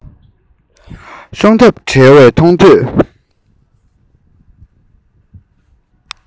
ཤོང ཐབས བྲལ བའི མཐོང ཐོས